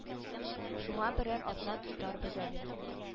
Шуңа берәр атна тотарбыз әле